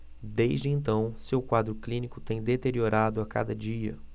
desde então seu quadro clínico tem deteriorado a cada dia